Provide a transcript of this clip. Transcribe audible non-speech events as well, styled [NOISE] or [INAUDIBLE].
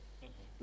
[HESITATION] [HESITATION]